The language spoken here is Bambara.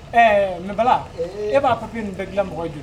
Ɛɛ mɛ e b'a fɔpi nin bɛ dilan mɔgɔmɔgɔ kojugu